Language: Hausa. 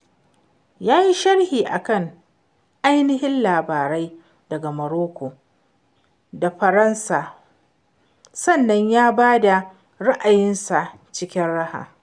Ya yi sharhi a kan ainihin labarai daga Morocco da Faransa sannan ya ba da ra'ayinsa cikin raha.